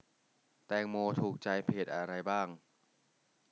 แตงโมถูกใจเพจอะไรบ้าง